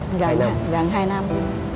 gần gần hai năm